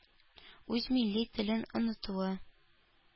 Үз милли телен онытуы,